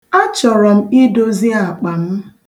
Achọrọ m idozi akpa m.